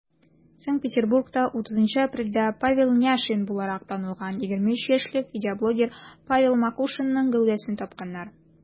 Санкт-Петербургта 30 апрельдә Павел Няшин буларак танылган 23 яшьлек видеоблогер Павел Макушинның гәүдәсен тапканнар.